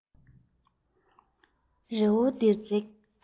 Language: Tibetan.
རི བོ འདིར འཛེགས